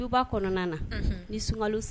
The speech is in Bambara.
Ba kɔnɔna na ni sun